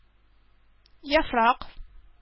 Яфрак